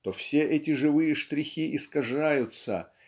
то все эти живые штрихи искажаются